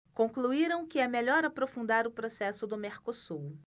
concluíram que é melhor aprofundar o processo do mercosul